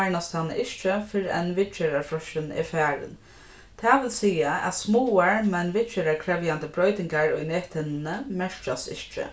varnast hana ikki fyrr enn viðgerðarfreistin er farin tað vil siga at smáar men viðgerðarkrevjandi broytingar í nethinnuni merkjast ikki